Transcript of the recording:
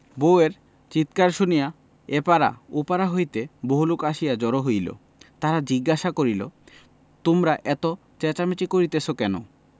বউ এর চিৎকার শুনিয়া এ পাড়া ও পাড়া হইতে বহুলোক আসিয়া জড় হইল তাহারা জিজ্ঞাসা করিল তোমরা এত চেঁচামেচি করিতেছ কেন